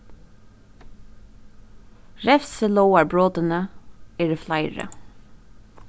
revsilógarbrotini eru fleiri